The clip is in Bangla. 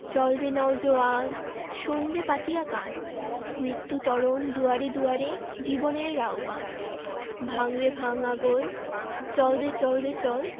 চল রে নও জোয়ান শোন রে পাতিয়া কান মৃত্যু তরণ দুয়ারে দুয়ারে জীবনের আহবান ভাঙ রে ভাঙ আগল চল রে চল রে চল